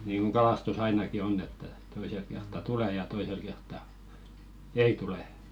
niin kuin kalastus ainakin on että toisella kertaa tulee ja toisella kertaa ei tule